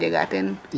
naanga jegateen ?